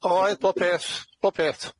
Oedd, bob peth, bob peth.